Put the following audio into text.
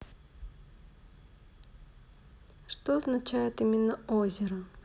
что означает именно озеро